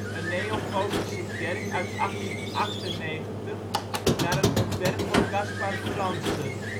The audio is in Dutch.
een neogotische kerk uit 1898 naar een ontwerp van Caspar Franssen